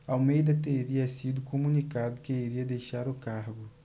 almeida teria sido comunicado que irá deixar o cargo